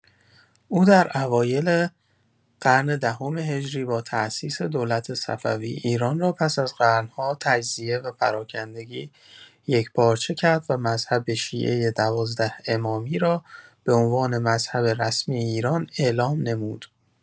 او در اوایل قرن دهم هجری با تأسیس دولت صفوی، ایران را پس از قرن‌ها تجزیه و پراکندگی، یکپارچه کرد و مذهب شیعه دوازده‌امامی را به عنوان مذهب رسمی ایران اعلام نمود.